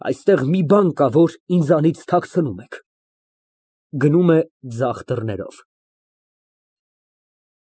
Այստեղ մի բան կա, որ ինձանից թաքցնում եք։ (Գնում է ձախ դռներով)։